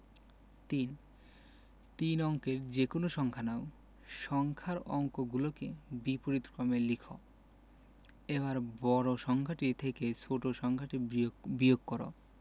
৩ তিন অঙ্কের যেকোনো সংখ্যা নাও সংখ্যার অঙ্কগুলোকে বিপরীতক্রমে লিখ এবার বড় সংখ্যাটি থেকে ছোট সংখ্যাটি বিয়োগ কর